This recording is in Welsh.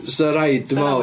'Sa rhaid, dwi'n meddwl.